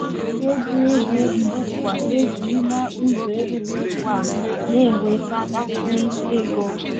Otu egwuregwu mba ụwa ejirila ụzọ egwuregwu a na-enweta gasị ego.